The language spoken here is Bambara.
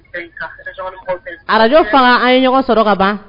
Radio faga an ye ɲɔgɔn sɔrɔ ka ban.